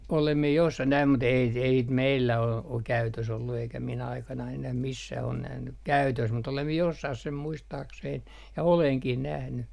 olen minä jossakin näin mutta ei ei sitä meillä ole ole käytössä ollut eikä minun aikanani enää missään ole nähnyt käytössä mutta olen minä jossakin sen muistaakseni ja olenkin nähnyt